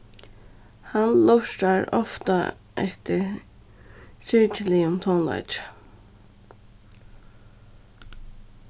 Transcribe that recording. hann lurtar ofta eftir syrgiligum tónleiki